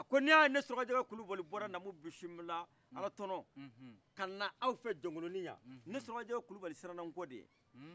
a ko ni y'a ye ne surakajɛkɛ kulubali bɔra namu bisimila alatɔnɔ kana aw fɛ jɔnkoloniyan ne surakajɛkɛ kulubali siranna nkɔ de ɲɛ